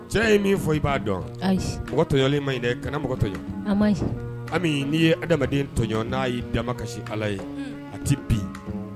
Cɛ ye min fɔ i b'a dɔn ayi mɔgɔ tɔli ma kana mɔgɔ tɔ ami n'i ye adamadamaden tɔ n'a ye dama kasisi ala ye a tɛ bi